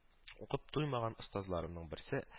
Укып туймаган остазларымның берсе